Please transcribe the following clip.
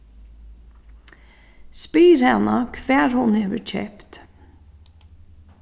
spyr hana hvar hon hevur keypt